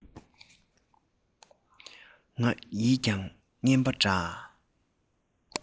ང ཡིས ཀྱང རྔན པ འདྲ